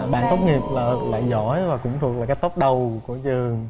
bạn tốt nghiệp loại giỏi và cũng thuộc vào cái top đầu của trường